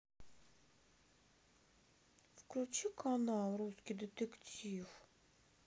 включи канал русский детектив